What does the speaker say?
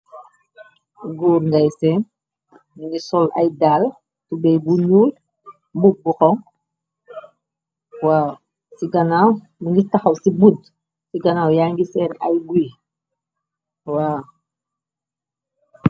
Goor ngay seeen mongi sol ay daala tubey bu nuul mbubu bu xonxu waw ci ganaw muni taxaw ci buntu ci ganaaw yaa ngi seen ay gui waw.